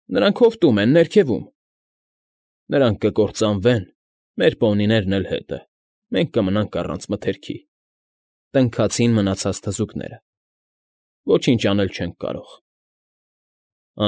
Նրանք հովտում են, ներքևում… ֊ Նրանք կկործանվեն, մեր պոնիներն էլ հետը, մենք կմնանք առանց մթերքի…֊ տնքացին մնացած թզուկները։ ֊ Ոչինչ անել չենք կարող։ ֊